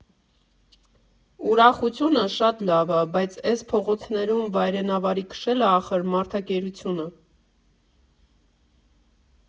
Ուրախությունը շատ լավ ա, բայց էս փողոցներում վայրենավարի քշելը ախր մարդակերություն ա։